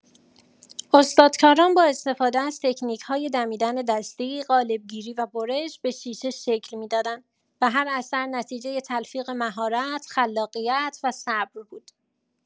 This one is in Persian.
استادکاران با استفاده از تکنیک‌های دمیدن دستی، قالب‌گیری و برش، به شیشه شکل می‌دادند و هر اثر نتیجه تلفیق مهارت، خلاقیت و صبر بود.